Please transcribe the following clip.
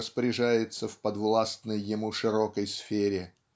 распоряжается в подвластной ему широкой сфере.